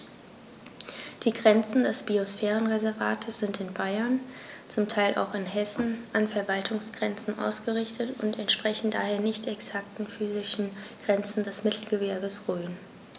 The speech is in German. Die Grenzen des Biosphärenreservates sind in Bayern, zum Teil auch in Hessen, an Verwaltungsgrenzen ausgerichtet und entsprechen daher nicht exakten physischen Grenzen des Mittelgebirges Rhön.